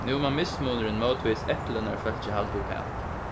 nú má mismunurin mótvegis eftirlønarfólki halda uppat